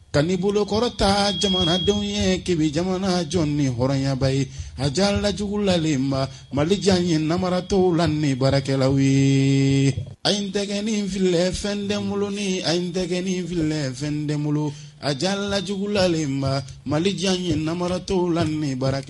Ka bolokɔrɔ ta jamanadenw ye kɛmɛ jamana jɔn ni hɔrɔnyaba ye ajala jugulalenba malijan ye namaratɔ la ni baarakɛla ye a in tɛnen fɛnɛn bolo ni a tɛnen fɛn den bolo ajalajlalenba malijan ye namaratɔ la baara kɛ